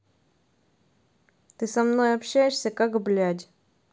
ты со мной общаешься как блядь